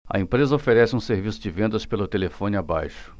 a empresa oferece um serviço de vendas pelo telefone abaixo